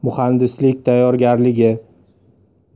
muhandislik tayyorgarligi